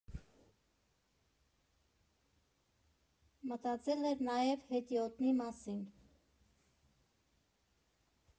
Մտածել էր նաև հետիոտնի մասին.